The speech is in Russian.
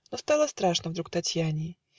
Но стало страшно вдруг Татьяне.